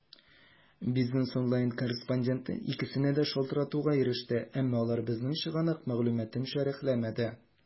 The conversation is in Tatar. "бизнес online" корреспонденты икесенә дә шалтыратуга иреште, әмма алар безнең чыганак мәгълүматын шәрехләмәде.